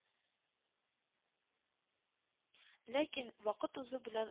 Ләкин, вакыт узу белән